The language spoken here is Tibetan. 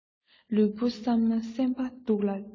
ལུས པོ བསམས ན སེམས པ སྡུག ལ སྦྱོར